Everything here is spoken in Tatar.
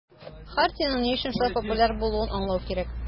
Хартиянең ни өчен шулай популяр булуын аңлау кирәк.